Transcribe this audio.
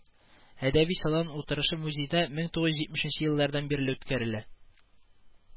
Әдәби салон утырышы музейда мең тугыз йөз җитмешенче еллардан бирле үткәрелә